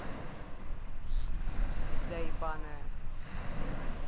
пизда ебаная